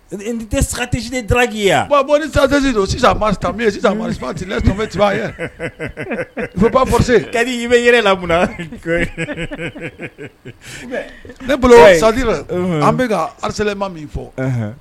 Tɛ sagaticinin da k'i ye ni sate don sisan sisan marititi ye ba fɔse kadi i bɛ yɛrɛ la munna ne bolo sati la an bɛka ka arasama min fɔ